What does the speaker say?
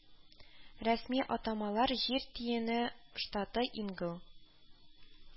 Рәсми атамалар Җир тиене штаты ингл